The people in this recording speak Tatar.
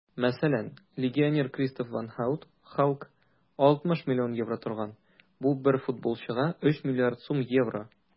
Мәсәлән, легионер Кристоф ван Һаут (Халк) 60 млн евро торган - бу бер футболчыга 3 млрд сум евро!